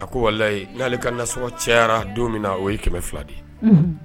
A ko walahi n'ale ka nasɔŋɔ cayara don min na o ye 200 de ye unhun